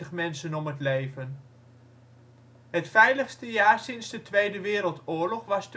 mensen om het leven. Het veiligste jaar sinds de Tweede Wereldoorlog was